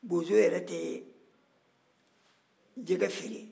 bozo yɛrɛ tɛ jɛgɛ feere